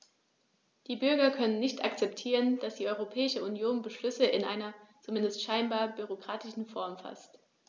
Die Bürger können nicht akzeptieren, dass die Europäische Union Beschlüsse in einer, zumindest scheinbar, bürokratischen Form faßt.